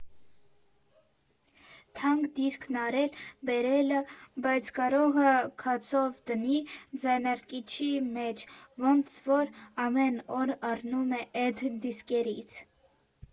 Թանկ դիսկն առել, բերել ա, բայց կարող ա քացով դնի ձայնարկիչի մեջ, ոնց որ ամեն օր առնում է էդ դիսկերից։